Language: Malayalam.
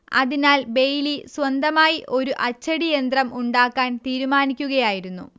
അതിനാൽ ബെയ്ലി സ്വന്തമായി ഒരു അച്ചടിയന്ത്രം ഉണ്ടാക്കാൻ തീരുമാനിക്കുകയായിരുന്നു